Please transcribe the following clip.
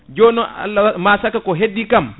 jonnon Allah waɗi ma sakka ko heddi kam